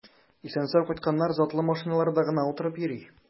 Исән-сау кайтканнар затлы машиналарда гына утырып йөри.